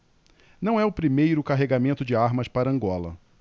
não é o primeiro carregamento de armas para angola